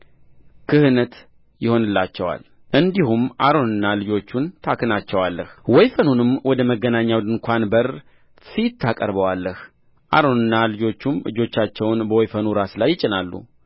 ክህነት ይሆንላቸዋል እንዲሁም አሮንንና ልጆቹን ትክናቸዋለህ ወይፈኑንም ወደ መገናኛው ድንኳን በር ፊት ታቀርበዋለህ አሮንና ልጆቹም እጆቻቸውን በወይፈኑ ራስ ላይ ይጭናሉ